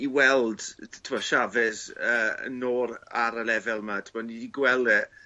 i weld yy t'wod Chaves yy yn ôl ar y lefel 'ma t'bod ni 'di gwel' e